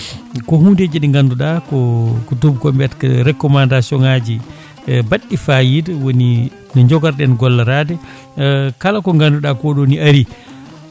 ko hunde ji ɗi ganduɗa ko tubakoɓe mbiyata ko recommandation ngaji mbaɗɗi fayida woni ko jogorɗen gollorade kala ko ganduɗa ko ɗo ni ayi